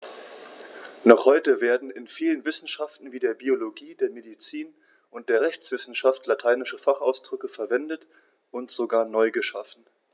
Noch heute werden in vielen Wissenschaften wie der Biologie, der Medizin und der Rechtswissenschaft lateinische Fachausdrücke verwendet und sogar neu geschaffen.